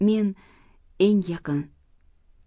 men eng yaqin